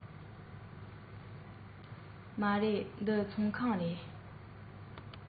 ང ཚོ ཡུལ སྐོར སྤྲོ འཆམ དུ འགྲོ མ མྱོང བའི མི རྣམས དང འདྲ བར སེམས ལ དགའ བདེས མྱོང ཤིང སྤོབས པས རབ ཏུ ཁེངས